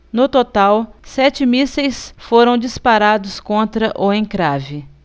no total sete mísseis foram disparados contra o encrave